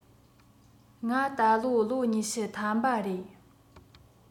ང ད ལོ ལོ ཉི ཤུ ཐམ པ རེད